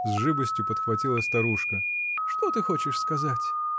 -- с живостью подхватила старушка. -- Что ты хочешь сказать?